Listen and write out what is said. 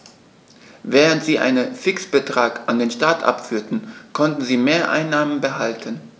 Während sie einen Fixbetrag an den Staat abführten, konnten sie Mehreinnahmen behalten.